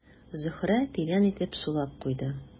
Зөһрә тирән итеп сулап куйды.